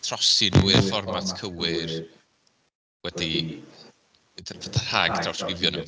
trosi nhw i'r fformat cywir wedi rhag-drawsgrifio nhw.